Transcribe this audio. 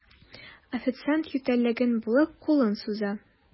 Официант, ютәлләгән булып, кулын суза.